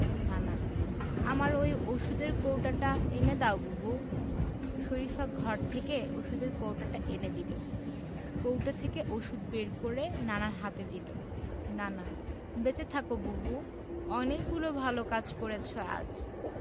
নানা আমার ঐ ঔষধের কৌটাটা এনে দাও বুবু শরিফা ঘর থেকে ঔষধের কৌটাটা এনে দিল কৌটা থেকে ঔষধ বের করে নানার হাতে দিল নানা বেঁচে থাকো বুবু অনেকগুলো ভালো কাজ করেছ আজ